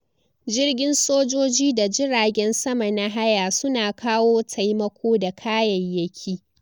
Jirgin sojoji da jiragen sama na haya su na kawo taimako da kayayyaki.